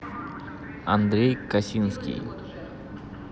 андрей косинский